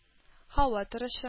Һава торышы